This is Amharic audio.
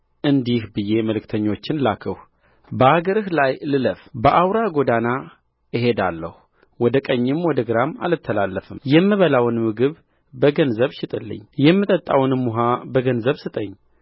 እንዲህ ብዬ መልእክተኞችን ላክሁ በአገርህ ላይ ልለፍበአውራ ጎዳና እሄዳለሁ ወደ ቀኝም ወደ ግራም አልተላለፍምየምበላውን ምግብ በገንዘብ ሽጥልኝ የምጠጣውንም ውኃ በገንዘብ ስጠኝ